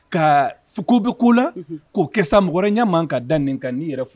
Kako bɛ ko la k'o kɛ m ɲɛ man ka da nin kan'i yɛrɛ fo